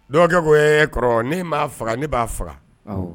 Dɔgɔkɛ ko kɔrɔ ne m'a faga ne b'a faga